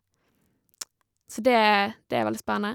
Så det det er veldig spennende.